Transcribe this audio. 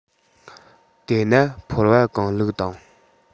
དེ ན ཕོར བ གང བླུགས དང